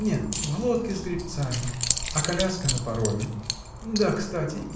— Нет, в лодке, с гребцами, а коляска на пароме. — Да, кстати!